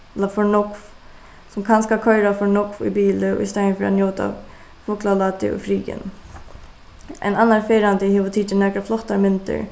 ella for nógv sum kanska koyra for nógv í bili í staðin fyri at njóta fuglalátið og friðin ein annar ferðandi hevur tikið nakrar flottar myndir